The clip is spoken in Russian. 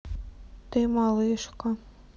ты малышка